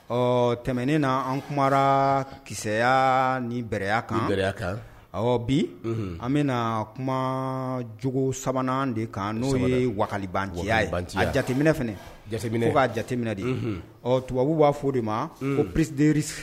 Ɔ tɛmɛnen na an kumara kisɛya ni bɛya kan kan ɔ bi an bɛna na kuma jugu sabanan de kan n'o ye wali nciya ye a jateminɛ fana jatea jateminɛ de ɔ tubabu b'a fɔ de ma ko pteri